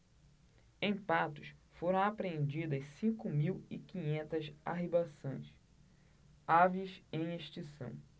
em patos foram apreendidas cinco mil e quinhentas arribaçãs aves em extinção